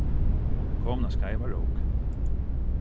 hon er komin á skeiva rók